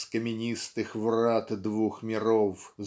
с каменистых врат двух миров